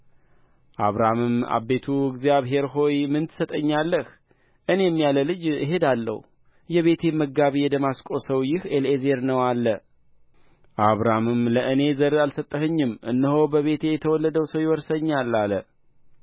አብራምም አቤቱ እግዚአብሔር ሆይ ምንን ትሰጠኛለህ እኔም ያለ ልጅ እሄዳለሁ የቤቴም መጋቢ የደማስቆ ሰው ይህ ኤሊዔዘር ነው አለ አብራምም ለእኔ ዘር አልሰጠኸኝም እነሆም በቤቴ የተወለደ ሰው ይወርሰኛል አለ